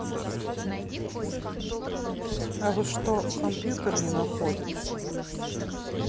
а вы что компьютер не находится